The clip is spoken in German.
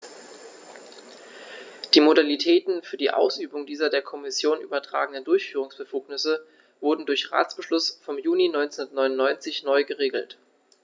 Die Modalitäten für die Ausübung dieser der Kommission übertragenen Durchführungsbefugnisse wurden durch Ratsbeschluss vom Juni 1999 neu geregelt.